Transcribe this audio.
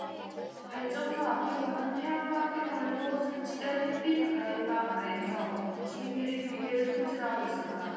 발전소 앞에서는 태양광 패널로 설치된 햇빛 가림막 아래에서 주민들이 조개를 손질하고 있었다